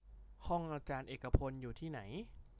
ห้องอาจารย์เอกพลอยู่ไหน